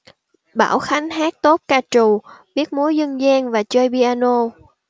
bảo khánh hát tốt ca trù biết múa dân gian và chơi piano